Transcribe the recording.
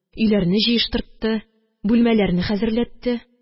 Өйләрне җыештыртты, бүлмәләрне хәзерләтте